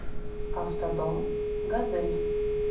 автодом газель